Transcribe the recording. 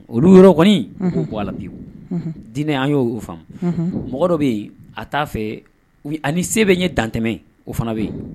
Olu yɔrɔ kɔniwawu dinɛ an y'o oo faamu mɔgɔ dɔ bɛ yen a t'a fɛ ani se bɛ ye dantɛmɛ o fana bɛ yen